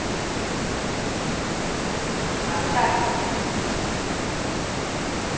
оставьте нас